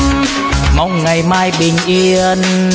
mong ngày mai bình yên